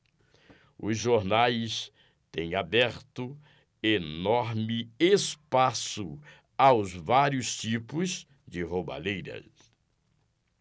os jornais têm aberto enorme espaço aos vários tipos de roubalheira